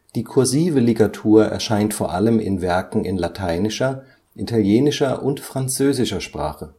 Die kursive Ligatur erscheint vor allem in Werken in lateinischer, italienischer und französischer Sprache